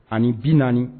Ani bi naani